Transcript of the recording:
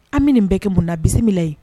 An bɛ nin kɛ mun na? bisimilayi!